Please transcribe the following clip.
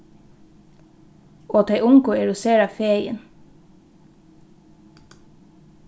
og tey ungu eru sera fegin